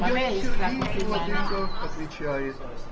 — Я не сердит, владыко,— отвечает.